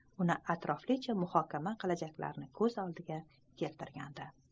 uni atroflicha muhokama qilishlarini ko'z oldiga keltirdi